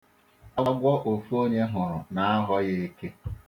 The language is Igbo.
Agwọ ofu onye hụrụ na-aghọ ya eke.